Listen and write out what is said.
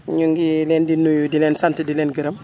ñu ngi leen di nuyu di leen sant di leen gërëm